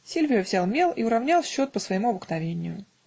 Сильвио взял мел и уравнял счет по своему обыкновению.